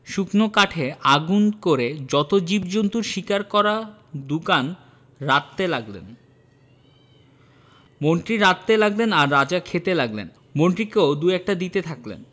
শুকনো কাঠে আগুন করে যত জীবজন্তুর শিকার করা দু কান রাঁধতে লাগলেন মন্ত্রী রাঁধতে লাগলেন আর রাজা খেতে লাগলেন মন্ত্রীকেও দু একটা দিতে থাকলেন